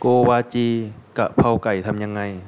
โกวาจีกะเพราไก่ทำยังไง